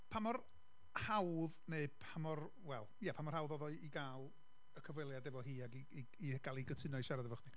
Pa mor hawdd, neu pa mor, wel, ia, pa mor hawdd oedd o i gael y cyfweliad efo hi ac i i i gael hi i gytuno i siarad efo chdi?...